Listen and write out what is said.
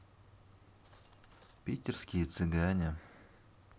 питерские цыгане